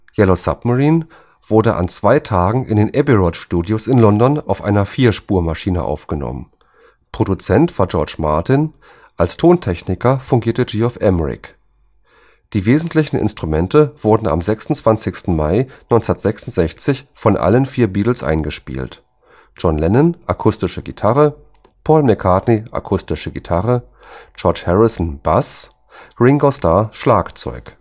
Yellow Submarine “wurde an zwei Tagen in den Abbey Road Studios in London auf einer Vier-Spur-Maschine aufgenommen. Produzent war George Martin; als Tontechniker fungierte Geoff Emerick. Die wesentlichen Instrumente wurden am 26. Mai 1966 von allen vier Beatles eingespielt: John Lennon: Akustische Gitarre Paul McCartney: Akustische Gitarre George Harrison: Bass Ringo Starr: Schlagzeug